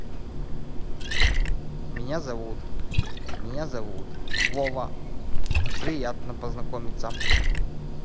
меня зовут меня зовут вова приятная перезнакомится